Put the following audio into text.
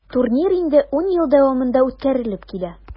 Турнир инде 10 ел дәвамында үткәрелеп килә.